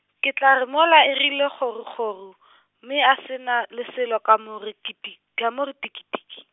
ke tla re mola e rile kgorokgoro, mme a se na le selo ka mo re kiti-, ka mo re tšhikidi.